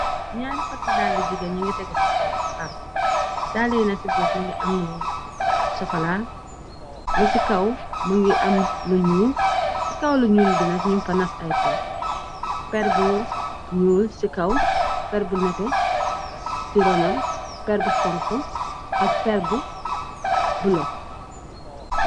Nyaari pati dalla jigéen ngi tegé ci kaw karu dalle yina ci suuf mëngi am lu sokola lu ci kaw më ngi am luñul ci kaw lu ñuul binag ñum fa nas ay peer peer bu ñuul ci kaw peer bu nete sy ronam peer bu xonko ak peer bu bu lo.